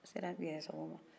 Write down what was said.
u sera yɛrɛ sago ma